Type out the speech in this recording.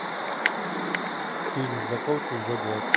фильм знакомьтесь джо блэк